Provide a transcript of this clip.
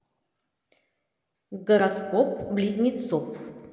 гороскоп близнецов